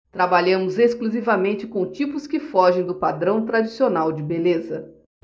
trabalhamos exclusivamente com tipos que fogem do padrão tradicional de beleza